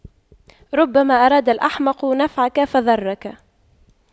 ربما أراد الأحمق نفعك فضرك